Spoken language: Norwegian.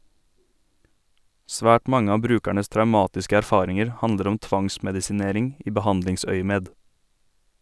Svært mange av brukernes traumatiske erfaringer handler om tvangsmedisinering i behandlingsøyemed.